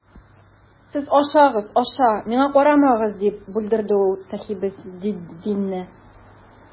Сез ашагыз, аша, миңа карамагыз,— дип бүлдерде ул Сәхәбетдинне.